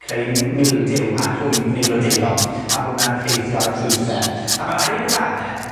creu m- mildew a llwydni blodeuog, a hwnna'n effeithio ar y ffrwythe. A ma' rai' fi gyfadde